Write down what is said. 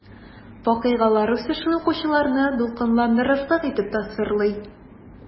Вакыйгалар үсешен укучыларны дулкынландырырлык итеп тасвирлый.